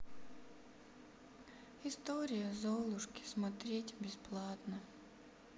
история золушки смотреть бесплатно